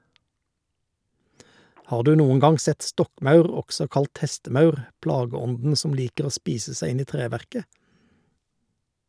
Har du noen gang sett stokkmaur, også kalt hestemaur , plageånden som liker å spise seg inn i treverket?